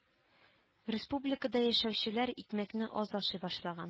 Республикада яшәүчеләр икмәкне аз ашый башлаган